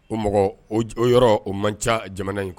O mɔgɔ o yɔrɔ o man ca jamana in k